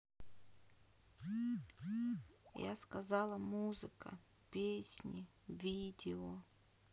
я сказала музыка песни видео